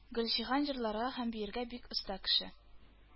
Гөлҗиһан җырларга һәм биергә бик оста кеше.